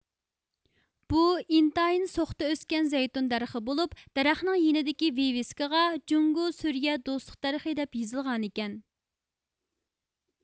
بۇ ئىنتايىن سوختا ئۆسكەن زەيتۇن دەرىخى بولۇپ دەرەخنىڭ يېنىدىكى ۋىۋىسكىغا جۇڭگو سۈرىيە دوستلۇق دەرىخى دەپ يېزىلغانىكەن